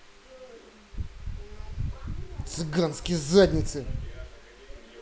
цыганские задницы